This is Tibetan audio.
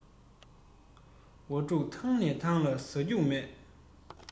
ཝ ཕྲུག ཐང ནས ཐང ལ ཟག རྒྱུ མེད